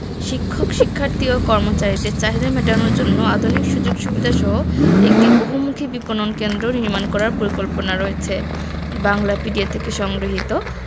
শিক্ষক শিক্ষার্থী ও কর্মচারীদের চাহিদা মেটানোর জন্য আধুনিক সুযোগ সুবিধাসহ একটি বহুমুখী বিপণি কেন্দ্রও নির্মাণ করার পরিকল্পনা রয়েছে বাংলাপিডিয়া থেকে সংগৃহীত